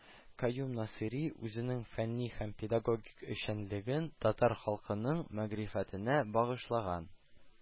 Каюм Насыйри үзенең фәнни һәм педагогик эшчәнлеген татар халкының мәгърифәтенә багышлаган